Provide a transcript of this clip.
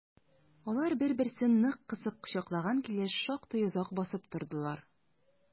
Алар бер-берсен нык кысып кочаклаган килеш шактый озак басып тордылар.